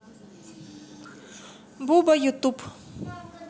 буба ютуб